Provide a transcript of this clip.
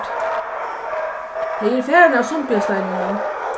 tey eru farin av sumbiarsteini nú